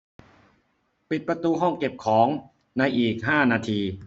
ปิดประตูห้องเก็บของในอีกห้านาที